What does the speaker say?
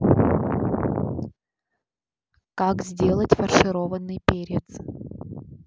как сделать фаршированный перец